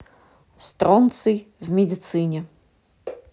стронций в медицине